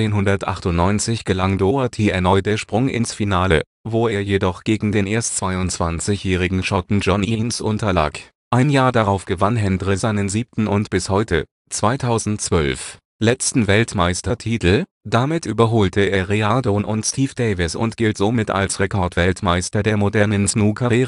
1998 gelang Doherty erneut der Sprung ins Finale, wo er jedoch gegen den erst 22-jährigen Schotten John Higgins unterlag. Ein Jahr darauf gewann Hendry seinen siebten und bis heute (2012) letzten Weltmeistertitel. Damit überholte er Reardon und Steve Davis und gilt somit als Rekordweltmeister der modernen Snooker-Ära